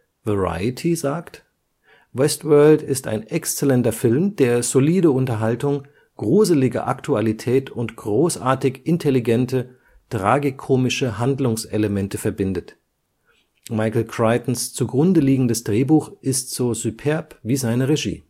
Variety: Westworld ist ein exzellenter Film, der solide Unterhaltung, gruselige Aktualität und großartig intelligente, tragikomische Handlungselemente verbindet. Michael Crichtons zugrundeliegendes Drehbuch ist so superb wie seine Regie